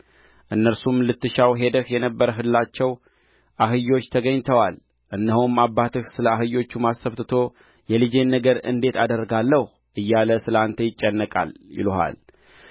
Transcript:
እነርሱም ልትሻቸው ሄደህ የነበርህላቸ አህዮች ተገኝተዋል እነሆም አባትህ ስለ አህዮች ማሰብ ትቶ የልጄን ነገር እንዴት አደርጋለሁ እያለ ስለ እናንተ ይጨነቃል ይሉሃል